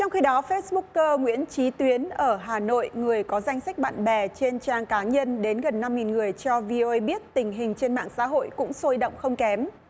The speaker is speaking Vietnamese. trong khi đó phết búc cơ nguyễn chí tuyến ở hà nội người có danh sách bạn bè trên trang cá nhân đến gần năm nghìn người cho vy ơi biết tình hình trên mạng xã hội cũng sôi động không kém